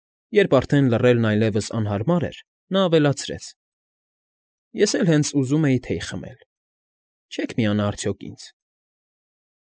Երբ արդեն լռելն այլևս անհարմար էր, նա ավելացրեց. ֊ Ես էլ հենց ուզում էի թեյ խմել, չե՞ք միանա արդյոք ինձ։